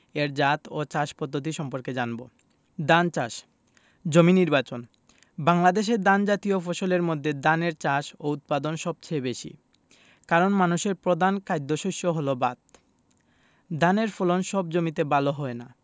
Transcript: এর জাত ও চাষ পদ্ধতি সম্পর্কে জানব ধান চাষ জমি নির্বাচনঃ বাংলাদেশে ধানজাতীয় ফসলের মধ্যে ধানের চাষ ও উৎপাদন সবচেয়ে বেশি কারন মানুষের প্রধান খাদ্যশস্য হলো ভাত ধানের ফলন সব জমিতে ভালো হয় না